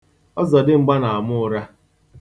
Ọzọdimgba na-ama ụra.